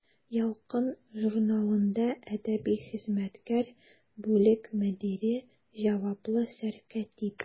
«ялкын» журналында әдәби хезмәткәр, бүлек мөдире, җаваплы сәркәтиб.